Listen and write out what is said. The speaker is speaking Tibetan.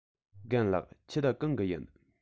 རྒན ལགས ཁྱེད གང གི ཡིན